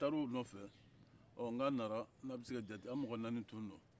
n taara o nɔfɛ ɔ n ko an nana n'a bɛ se ka jatigila an mɔgɔ naani tun don